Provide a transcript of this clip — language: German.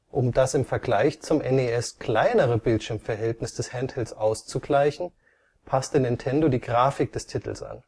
Um das im Vergleich zum NES kleinere Bildschirmverhältnis des Handhelds auszugleichen, passte Nintendo die Grafik des Titels an